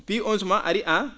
piiw oon suman ari en